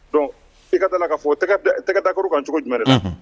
Don i ka taa ka fɔ tɛgɛ dakoro kan cogo jumɛn